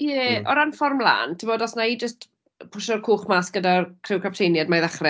Ie... m-hm. ...o ran ffor' mlân, timod os wna i jyst pwshio'r cwch mas gyda'r criw capteiniaid 'ma i ddechrau.